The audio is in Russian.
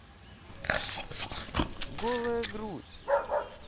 голая грудь